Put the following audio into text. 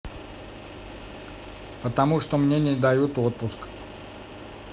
потому что мне не дают отпуск